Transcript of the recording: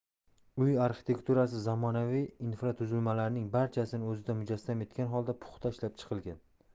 uy arxitekturasi zamonaviy infratuzilmalarning barchasini o'zida mujassam etgan holda puxta ishlab chiqilgan